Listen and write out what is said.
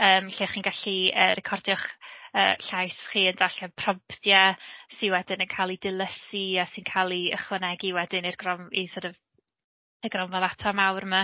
Yym lle chi'n gallu yy recordio'ch yy llais chi yn darllen promtiau, sy wedyn yn cael eu dilysu a sy'n cael eu ychwanegu wedyn i'r gron- i sort of y gronfa ddata mawr 'ma.